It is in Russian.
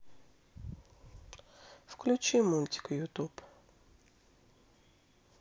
включи мультик ютуб